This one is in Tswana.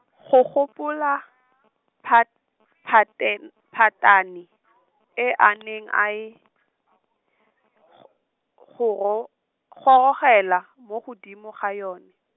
go gopola, phat- phaten- phatane , e a neng a e, g-, goro-, gorogela, mo godimo ga yone.